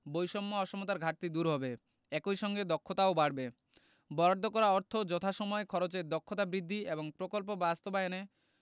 বৈষম্য অসমতার ঘাটতি দূর হবে একই সঙ্গে দক্ষতাও বাড়বে বরাদ্দ করা অর্থ যথাসময়ে খরচের দক্ষতা বৃদ্ধি এবং প্রকল্প বাস্তবায়নে